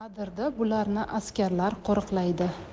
adirda bularni askarlar qo'riqlaydi